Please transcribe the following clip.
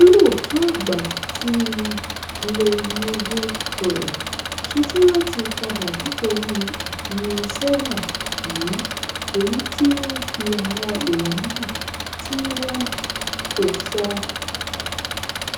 Olóòtú Àgbà ti "Le Nouveau Courier" ṣetán láti padà nítorí ìfinisẹ́wọ̀n yìí èyí tí ó ń fi àwọn èróńgbà tí wọn kò sọ